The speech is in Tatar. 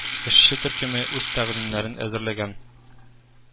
Эшче төркеме үз тәкъдимнәрен әзерләгән